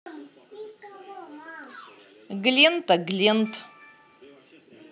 глента глент